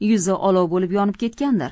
yuzi olov bo'lib yonib ketgandir